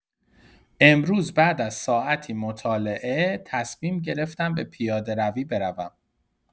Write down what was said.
امروز بعد از ساعتی مطالعه، تصمیم گرفتم به پیاده‌روی بروم.